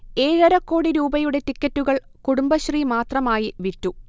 ഏഴരക്കോടി രൂപയുടെ ടിക്കറ്റുകൾ കുടുംബശ്രീ മാത്രമായി വിറ്റു